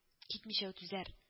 Китмичәү түзәр